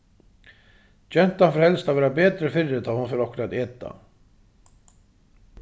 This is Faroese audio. gentan fer helst at vera betri fyri tá ið hon fær okkurt at eta